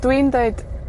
Dwi'n deud